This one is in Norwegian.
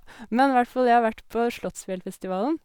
Men hvert fall, jeg har vært på Slottsfjellfestivalen.